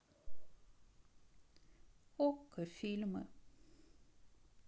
окко фильмы